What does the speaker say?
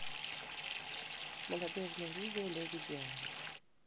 молодежное видео леди диана